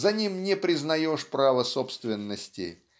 За ним не признаёшь права собственности